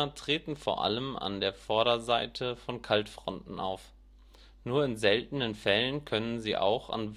treten vor allem an der Vorderseite von Kaltfronten auf. Nur in seltenen Fällen können sie auch an